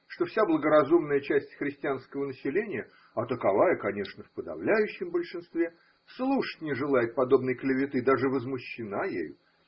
что вся благоразумная часть христианского населения (а таковая, конечно, в подавляющем большинстве) слушать не желает подобной клеветы, даже возмущена ею